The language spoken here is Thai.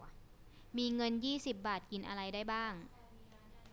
มีเงินยี่สิบบาทกินอะไรได้บ้าง